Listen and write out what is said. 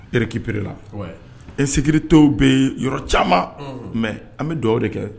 récupéré la, insécuruté bɛ yɔrɔ caman mais an bɛ dugawu de kɛ